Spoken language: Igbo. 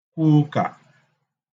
kwu ukà